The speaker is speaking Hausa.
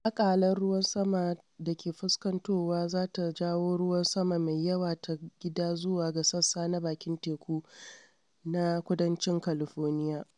Akalar ruwan saman da ke fuskantowa za ta jawo ruwan sama mai yawa ta gida zuwa ga sassa na bakin teku na Kudancin California.